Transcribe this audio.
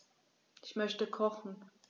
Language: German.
Ich möchte kochen.